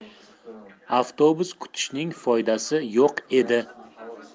avtobus kutishning foydasi yo'q edi